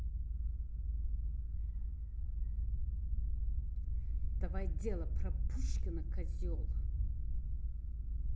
давай тело про пушкина козел